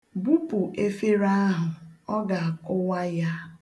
Bupụ efere ahụ, ọ ga-akụwa ya.